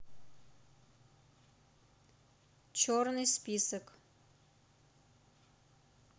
черный список